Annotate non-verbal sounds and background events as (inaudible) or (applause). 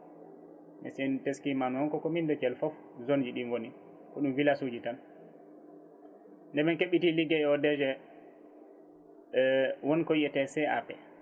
sen teskima noon koko mindetel foof zone uji ɗi gooni ko ɗum village uji tan nde min keɓɓiti ligguey o DG (hesitation) woni ko wiyete CAP